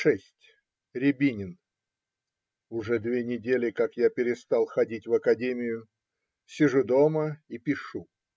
Шесть РЯБИНИН. Уже две недели, как я перестал ходить в академию сижу дома и пищу.